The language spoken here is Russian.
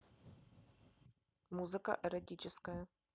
музыка эротическая